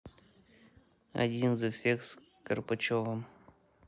один за всех с карпачевым